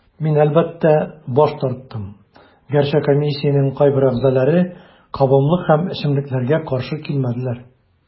Мин, әлбәттә, баш тарттым, гәрчә комиссиянең кайбер әгъзаләре кабымлык һәм эчемлекләргә каршы килмәделәр.